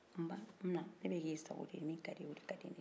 n ba n na ne bɛ k'i sago de ye min ka d'i ye o de ka di n ye